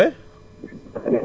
Mor Ndom foo may woowee